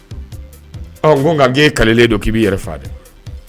N nka g kalilelen don k ii bɛi yɛrɛ dɛ